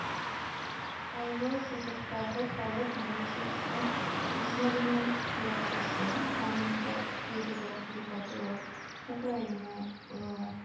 Алгы сызыктагы халык милициясе взводының яртысы (аны монда "передок" дип атыйлар) - украиналылар.